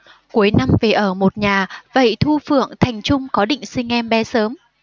cuối năm về ở một nhà vậy thu phượng thành trung có định sinh em bé sớm